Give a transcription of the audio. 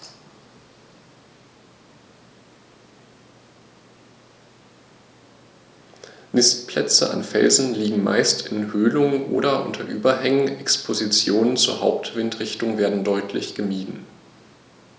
Nistplätze an Felsen liegen meist in Höhlungen oder unter Überhängen, Expositionen zur Hauptwindrichtung werden deutlich gemieden.